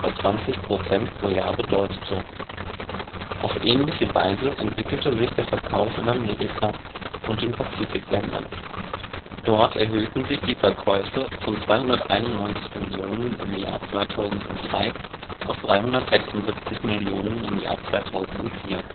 20% pro Jahr bedeutete. Auf ähnliche Weise entwickelte sich der Verkauf in Amerika und den Pazifikländern; dort erhöhten sich die Verkäufe von 291 Millionen im Jahr 2003 auf 376 Millionen im Jahr 2004